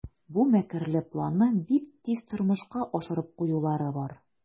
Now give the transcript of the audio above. Бу мәкерле планны бик тиз тормышка ашырып куюлары бар.